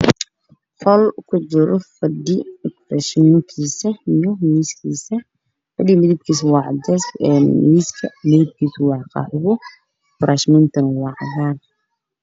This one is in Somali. Waa qol waxaa yaalla fadhiya cadays ah iyo miis cadaan ah waxaa kaloo ii muuqdo darbiga oo ku dhagan geeddar cagaaro